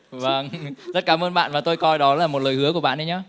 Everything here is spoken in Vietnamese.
vầng rất cám ơn bạn và tôi coi đó là một lời hứa của bạn đó nhá